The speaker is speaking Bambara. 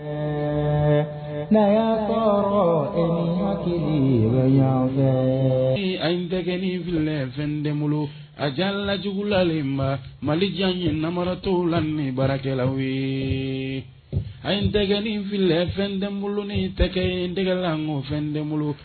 na ɛɛ kelen an tɛin fili fɛn den bolo a ja la jugulalenba mali diya ye namaratɔ la baarakɛla ye an ye n tɛ nin fili fɛn den bolo ni tɛgɛ in n tɛgɛ an ko fɛn den bolo